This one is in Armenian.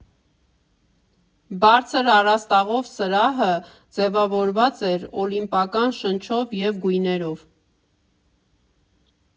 Բարձր առաստաղով սրահը ձևավորված էր օլիմպիական շնչով և գույներով։